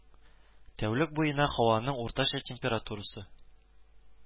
Тәүлек буена һаваның уртача температурасы